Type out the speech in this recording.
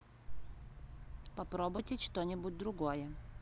попробуйте что нибудь другое